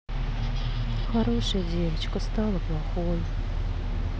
хорошая девочка стала плохой